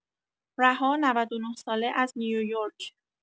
رها ۹۹ ساله از نیویورک